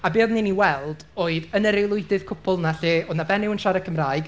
A be oedden ni'n ei weld oedd, yn yr aelwydydd cwpl 'na lle oedd 'na benyw yn siarad Cymraeg,